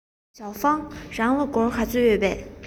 ཞའོ ཧྥང རང ལ སྒོར ག ཚོད ཡོད པས